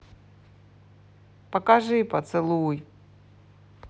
покажи поцелуй